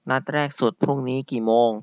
นัดแรกสุดพรุ่งนี้กี่โมง